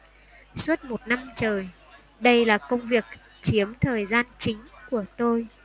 suốt một năm trời đây là công việc chiếm thời gian chính của tôi